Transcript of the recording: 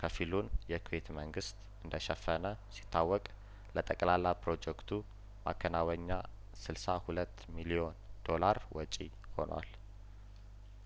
ከፊሉን የኩዌት መንግስት እንደሸፈነ ሲታወቅ ለጠቅላላ ፕሮጀክቱ ማከናወኛ ስልሳ ሁለት ሚሊዮን ዶላር ወጪ ሆኗል